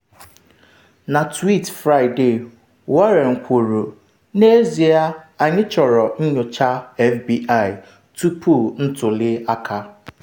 Na tweet Fraịde Warren kwuru ”n’ezie anyị chọrọ nyocha FBI tupu ntuli aka.”